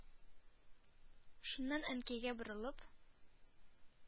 Шуннан әнкәйгә борылып: